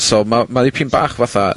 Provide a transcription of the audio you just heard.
So, ma', ma' dipyn bach fatha...